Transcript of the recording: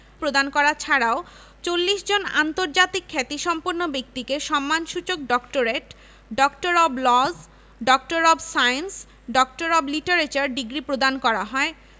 প্রদান করা ছাড়াও ৪০ জন আন্তর্জাতিক খ্যাতিসম্পন্ন ব্যক্তিকে সম্মানসূচক doctorate doctor of laws doctor of science doctor of literature degree প্রদান করা হয়